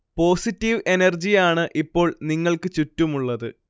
positive energy ആണ് ഇപ്പോൾ നിങ്ങൾക്ക് ചുറ്റുമുള്ളത്